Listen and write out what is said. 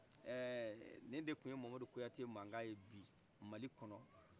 ɛɛ nin de tun ye mamadu kuyate makan ye bi mali kɔnɔ